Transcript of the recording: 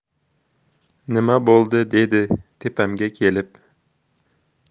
nima bo'ldi dedi tepamga kelib